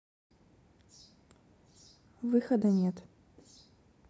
выхода нет